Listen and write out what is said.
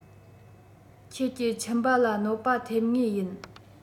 ཁྱེད ཀྱི མཆིན པ ལ གནོད པ ཐོབ ངེས ཡིན